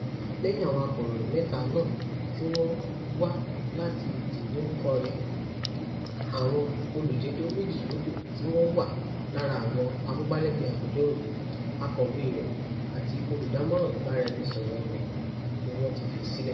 Lẹ́yìn àwọn akọ̀ròyìn mẹ́ta náà tí wọ́n wá láti The New Courier, àwọn olùjẹ́jọ́ méjì yòókù tí wọ́n wà lára àwọn amúgbálẹ́gbẹ̀ẹ́ agbẹjọ́rò (akọ̀wé rẹ̀ àti olúdámọ̀ràn ìbáraẹnisọ̀rọ̀ rẹ̀) ni wọ́n ti fi sílẹ̀.